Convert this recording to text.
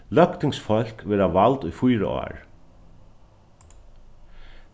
løgtingsfólk verða vald í fýra ár